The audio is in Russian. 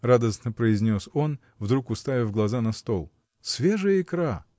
— радостно произнес он, вдруг уставив глаза на стол, — свежая икра!